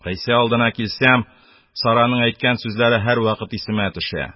Гыйса алдына килсәм, Сараның әйткән сүзләре һәрвакыт исемә төшә: -